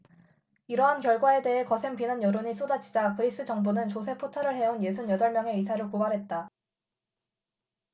이러한 결과에 대해 거센 비난 여론이 쏟아지자 그리스 정부는 조세 포탈을 해온 예순 여덟 명의 의사를 고발했다